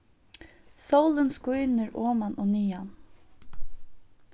sólin skínur oman og niðan